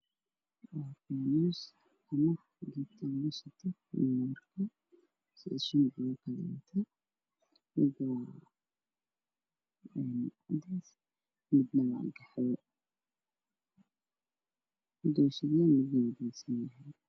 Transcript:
Waa carfiso waa caddaan mid waa qaxwi waxaa ka dhex daaran lafkiisii jaalo